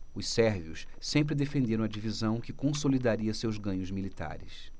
os sérvios sempre defenderam a divisão que consolidaria seus ganhos militares